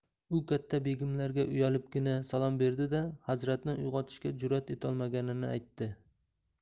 u katta begimlarga uyalibgina salom berdi da hazratni uyg'otishga jurat etolmaganini aytdi